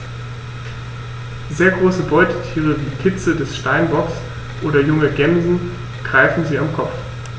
Sehr große Beutetiere wie Kitze des Steinbocks oder junge Gämsen greifen sie am Kopf.